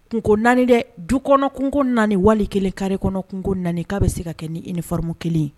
Kungoko naani dɛ dukɔnɔ koko naani wali kelen kari kɔnɔko na k'a bɛ se ka kɛ ni i nifamu kelen